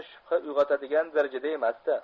shubha uyg'otadigan darajada emasdi